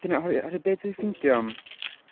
Dyna o- oherwydd be dwi'n ffeindio am...